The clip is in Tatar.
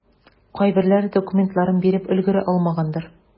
Кайберләре документларын биреп өлгерә алмагандыр.